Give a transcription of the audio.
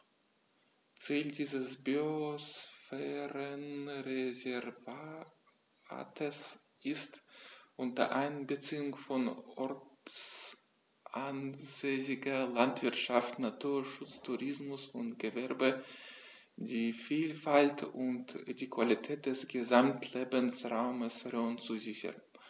Ziel dieses Biosphärenreservates ist, unter Einbeziehung von ortsansässiger Landwirtschaft, Naturschutz, Tourismus und Gewerbe die Vielfalt und die Qualität des Gesamtlebensraumes Rhön zu sichern.